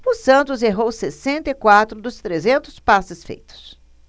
o santos errou sessenta e quatro dos trezentos passes feitos